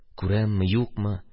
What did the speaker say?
Күрәмме, юкмы?